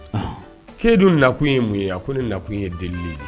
Ɔnhɔn k'e dun nakun ye mun ye a ko ne nakun ye delili de ye